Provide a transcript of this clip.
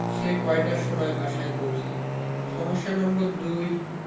সে কয়টার সময় বাসায় পৌছায় সমস্যা নম্বর ২